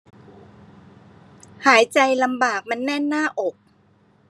หายใจลำบากมันแน่นหน้าอก